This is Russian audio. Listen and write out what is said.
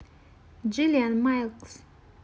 джиллиан майклс